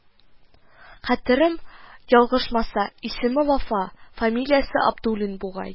Хәтерем ял-гышмаса, исеме Вафа, фамилиясе Абдуллин бугай